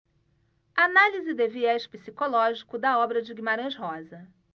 análise de viés psicológico da obra de guimarães rosa